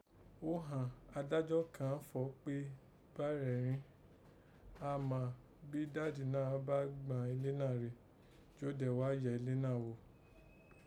Ó ghàn, adájọ́ kàn fọ̀ọ́ kpé bàrẹ̀ rin, àmá bí Dádì náà bá gbàn ilé náà rè, jí ó dẹ̀ ghá yẹ̀ ilé náà ghò